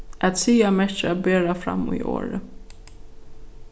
at siga merkir at bera fram í orði